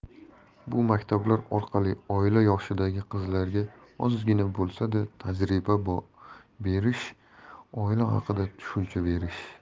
bu maktablar orqali oila yoshidagi qizlarga ozgina bo'lsa da tajriba berish oila haqida tushuncha berish